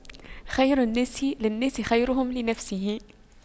خير الناس للناس خيرهم لنفسه